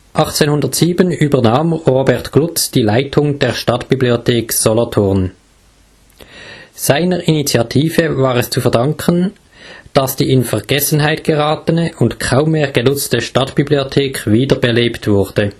1807 übernahm Robert Glutz die Leitung der Stadtbibliothek Solothurn. Seiner Initiative war es zu verdanken, dass die in Vergessenheit geratene und kaum mehr genutzte Stadtbibliothek wiederbelebt wurde